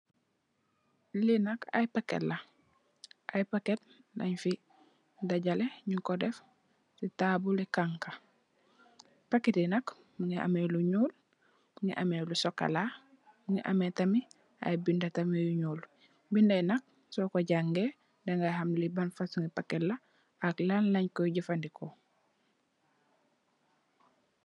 Li nak ay paket la, ay paket lañ fi dajaleh ñing ko dèf ci tabull li xanxa. Paket yi nak ñu ngi ameh lu ñuul ,mugii ameh lu sokola, mugii ameh tamit ay bindi yu ñuul. Bindé yi nak so ko jangèè di ga xam li ban fasungi paket la ak lan lañ koy jafandiko.